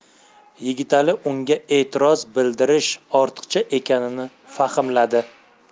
yigitali unga e'tiroz bildirish ortiqcha ekanini fahmladi